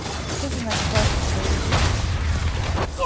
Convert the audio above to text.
hvussu nógv fólk eru tit